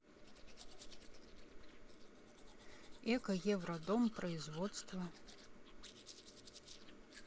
эко евродом производства